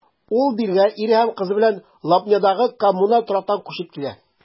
Ул бирегә ире һәм кызы белән Лобнядагы коммуналь торактан күчеп килә.